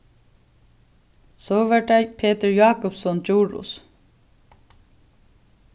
so var tað petur jákupsson djurhuus